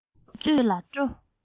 མདོར བསྡུས བརྗོད ལ སྤྲོ